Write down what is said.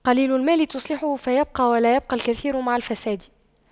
قليل المال تصلحه فيبقى ولا يبقى الكثير مع الفساد